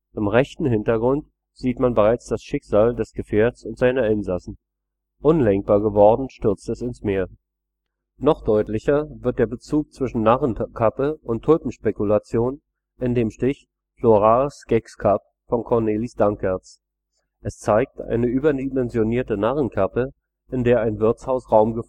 Im rechten Hintergrund sieht man bereits das Schicksal des Gefährts und seiner Insassen: Unlenkbar geworden stürzt es ins Meer. Noch deutlicher wird der Bezug zwischen Narrentum und Tulpenspekulation in dem Stich Florae’ s Gecks-kap von Cornelis Danckerts. Es zeigt eine überdimensionierte Narrenkappe, in der ein Wirtshaus Raum